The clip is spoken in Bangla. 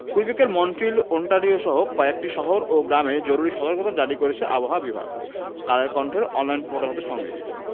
কুইবেকের মন্ট্রিল ওন্টারিওসহ কয়েকটি শহর ও গ্রামে জরুরি সতর্কতা জারি করেছে আবহাওয়া বিভাগ কালের কন্ঠের অনলাইন পোর্টাল হতে সংগৃহীত